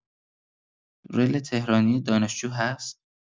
رل تهرانی دانشجو هست؟